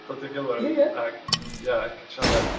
Dod a'i gilydd.. ia ia ...ac yn ia ac yn siarad.